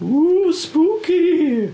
Wooo spooky!